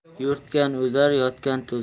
yo'rtgan o'zar yotgan to'zar